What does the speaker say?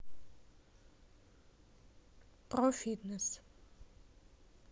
profitness